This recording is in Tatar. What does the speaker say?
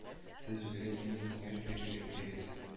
Сез үзегез нинди киңәш бирер идегез